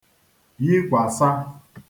yikwàsa